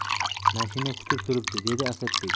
mashina kutib turibdi dedi asadbek